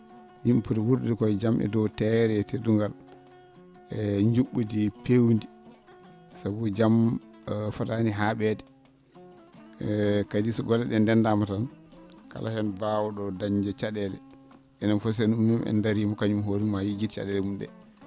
yim?e poti wuurdude koye jam e dow teeyre e teddungal e nju??udi peewndi sabu jam fotaani haa?eede e kadi so bone ?ee denndaama tan kala heen mbaaw?o dañde ca?eele enen fof si en ngummiima en dariima kañum hoore mum ma yejit ca?eele mum ?ee